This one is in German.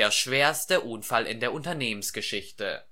schwerste Unfall in der Unternehmensgeschichte